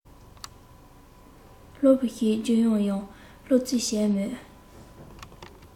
སློབ བུ ཞིག བརྒྱུགས ཡོང ཡར སློང རྩིས བྱས མོད